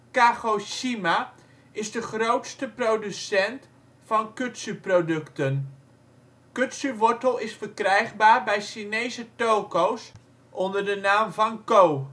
Kagoshima is de grootste producent van kudzu-producten. Kudzu-wortel is verkrijgbaar bij (chinese) toko 's onder de naam ' Fun Got ' (uitgesproken als ' van koo